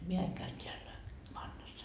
minä aina käyn täällä vannassa